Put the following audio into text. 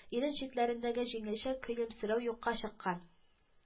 Ирен читләрендәге җиңелчә көлемсерәү юкка чыккан